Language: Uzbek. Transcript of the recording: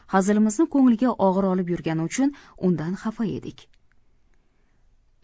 hazilimizni ko'ngliga og'ir olib yurgani uchun undan xafa edik